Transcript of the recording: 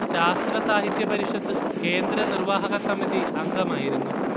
ശാസ്ത്രസാഹിത്യ പരിഷത്ത് കേന്ദ്ര നിർവ്വാഹക സമിതി അംഗമായിരുന്നു